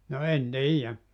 no en tiedä